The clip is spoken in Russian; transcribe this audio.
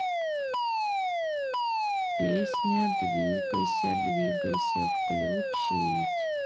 песня двигайся двигайся включить